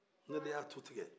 ne de y'a tutigɛ